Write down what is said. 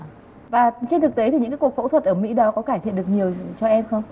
và trên thực tế thì những cuộc phẫu thuật ở mỹ đó có cải thiện được nhiều cho em không